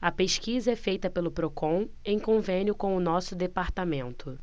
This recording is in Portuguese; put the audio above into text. a pesquisa é feita pelo procon em convênio com o diese